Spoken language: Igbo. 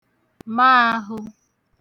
ma āhụ